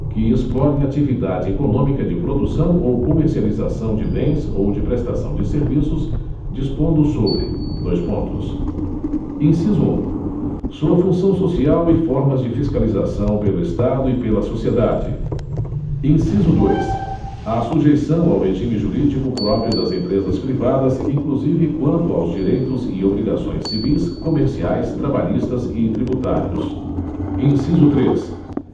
que explorem atividade econômica de produção ou comercialização de bens ou de prestação de serviços dispondo sobre dois pontos inciso um sua função social e formas de fiscalização pelo estado e pela sociedade inciso dois a sujeição ao regime jurídico próprio das empresas privadas inclusive quanto aos direitos e obrigações civis comerciais trabalhistas e tributários inciso três